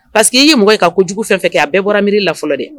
Parceque i ye mɔgɔ ka ko jugu fɛn fɛn kɛ a bɛɛ bɔra miiri de la fɔlɔ dɛ.